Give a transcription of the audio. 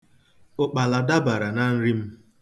Ụkpala dabara na nri m.